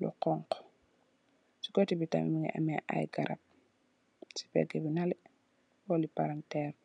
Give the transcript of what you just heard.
lu xonxu, si kote bi tamih mungi aye garap, si peg bi naleh, bori palanteer bi.